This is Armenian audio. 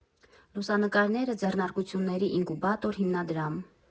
Լուսանկարները՝ «Ձեռնարկությունների Ինկուբատոր» հիմնադրամ։